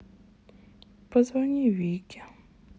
позвони вике